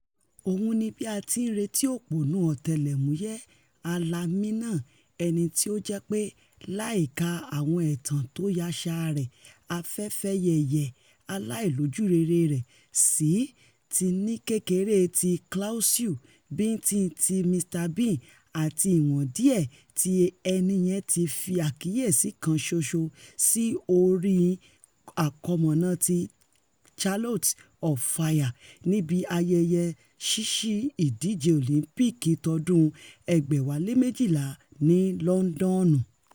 Òun ni bí a ti ńretí òpònú ọ̀tẹlẹ̀múyẹ́ alami náà ẹnití o jẹ́pé láìka àwọn ẹ̀tàn tóyaṣa rẹ̀ afẹfẹ yẹ̀yẹ̀ aláìlójúrere rẹ̀ sí ti ni kékeré ti Clouseau, bíńtín ti Mr Bean ati ìwọn díẹ̀ ti ẹni yẹn ti fi àkíyèsí kan ṣoṣo sí orin àkọmọ̀nà ti Chariots of Fire níbi ayẹyẹ sísí ìdíje Olympics lọ́dún 2012 ní Lọndọnu.